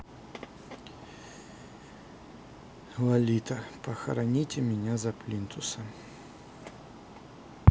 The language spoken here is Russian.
лолита похороните меня за плинтусом